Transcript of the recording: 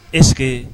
Ɛseke